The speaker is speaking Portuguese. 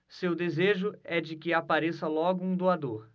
seu desejo é de que apareça logo um doador